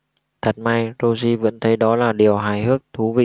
thật may rosie vẫn thấy đó là điều hài hước thú vị